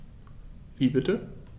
Wie bitte?